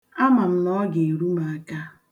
Ama m na ọ ga-eru m aka.